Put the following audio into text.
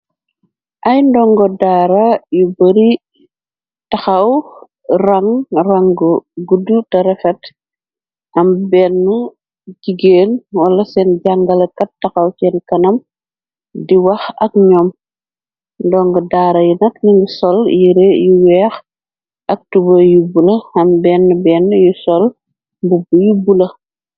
Ay ndongo daara yu bari, taxaw rang, rang gudd tarafet, am benn jigéen wala seen jàngalakat, taxaw seen kanam di wax ak ñoom, ndongo daara yi nak ningi sol yere yu weex, ak tuba yu bula, am benn benn yu sol bu bu yu bula.